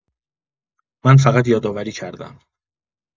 من فقط یادآوری کردم.